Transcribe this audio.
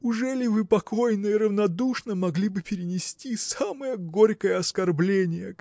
– ужели вы покойно и равнодушно могли бы перенести самое горькое оскорбление